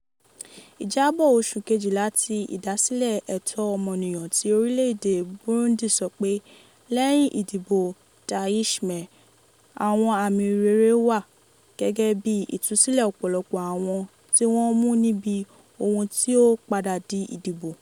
Ìjábọ̀ oṣù Kejìlá ti Ìdásílẹ̀ Ẹ̀tọ́ Ọmọnìyàn ti orílẹ̀ èdè Burundi sọ pé, lẹ́yìn ìdìbò Ndayishimye, àwọn àmì rere wà, gẹ́gẹ́ bíi ìtúsílẹ̀ ọ̀pọ̀lọpọ̀ àwọn tí wọ́n mú níbi ohun tí ó padà di ìdìbò.